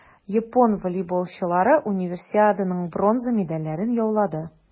Япон волейболчылары Универсиаданың бронза медальләрен яулады.